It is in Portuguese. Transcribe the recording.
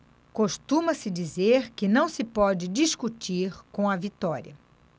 costuma-se dizer que não se pode discutir com a vitória